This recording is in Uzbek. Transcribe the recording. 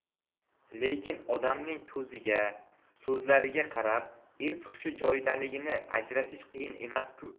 lekin odamning ko'ziga so'zlariga qarab es hushi joyidaligini ajratish qiyin emas ku